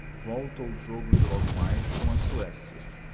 volto ao jogo de logo mais com a suécia